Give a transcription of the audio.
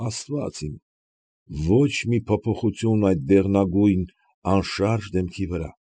Աստվա՛ծ իմ ոչ մի փոփոխություն այդ դեղնագույն անշարժ դեմքի վրա։